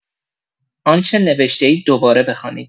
آنچه نوشته‌اید دوباره بخوانید.